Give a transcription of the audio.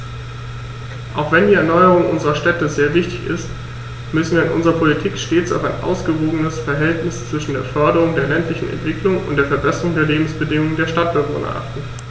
Auch wenn die Erneuerung unserer Städte sehr wichtig ist, müssen wir in unserer Politik stets auf ein ausgewogenes Verhältnis zwischen der Förderung der ländlichen Entwicklung und der Verbesserung der Lebensbedingungen der Stadtbewohner achten.